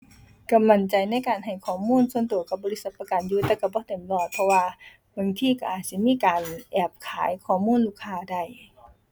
ก็มั่นใจในการให้ข้อมูลส่วนก็กับบริษัทประกันอยู่แต่ก็บ่เต็มร้อยเพราะว่า บางทีก็อาจสิมีการแอบขายข้อมูลลูกค้าได้